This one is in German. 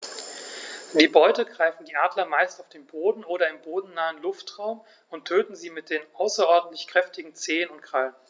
Die Beute greifen die Adler meist auf dem Boden oder im bodennahen Luftraum und töten sie mit den außerordentlich kräftigen Zehen und Krallen.